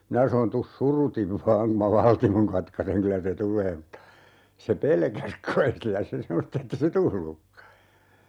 minä sanoin tule surutta vain kun minä valtimon katkaisen kyllä se tulee mutta se pelkäsi kai sillä se semmoista että ei se tullutkaan